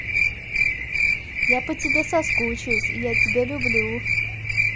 я по тебе соскучусь я тебя люблю